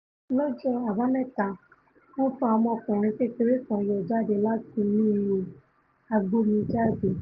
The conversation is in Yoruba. Lọ́jọ́ Àbámẹ́ta, wọ́n fa ọmọkùnrin kékeré kan yọ jáde láti inú ihò agbómijáde.